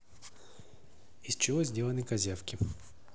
из чего сделаны козявки